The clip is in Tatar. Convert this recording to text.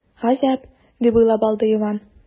“гаҗәп”, дип уйлап алды иван.